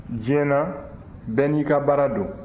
diɲɛ na bɛɛ n'i ka baara don